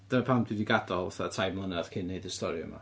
Dyna pam dwi di gadael fatha, tair mlynedd cyn wneud y stori yma.